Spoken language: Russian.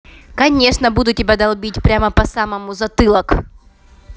конечно буду тебя долбить прямо по самому затылок